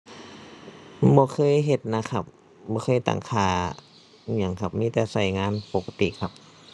บ่เคยเฮ็ดนะครับ บ่เคยตั้งค่าอิหยังครับ มีแต่ใช้งานปกติครับ